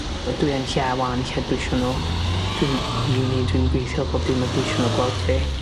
Wel dwi yn lle 'wan lle dw isio n'w dwi'n uni dwi'n gweithio pob dim a dw isio n'w gweld fi. .